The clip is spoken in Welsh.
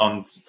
ont